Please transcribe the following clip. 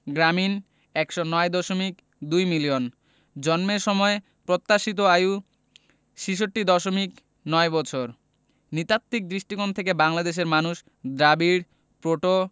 গ্রামীণ ১০৯দশমিক ২ মিলিয়ন জন্মের সময় প্রত্যাশিত আয়ু ৬৬দশমিক ৯ বছর নৃতাত্ত্বিক দৃষ্টিকোণ থেকে বাংলাদেশের মানুষ দ্রাবিড় প্রোটো